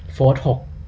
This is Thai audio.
โฟธหก